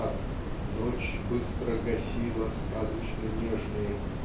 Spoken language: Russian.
как "ночь быстро гасила сказочно-нежные